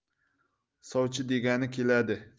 sovchi degani keladi